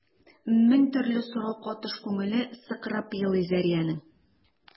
Мең төрле сорау катыш күңеле сыкрап елый Зәриянең.